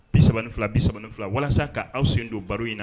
Bi saba fila bisa fila walasa kaaw sen don baro in na